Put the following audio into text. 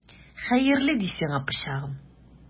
Хәерле ди сиңа, пычагым!